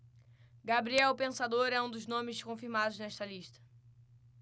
gabriel o pensador é um dos nomes confirmados nesta lista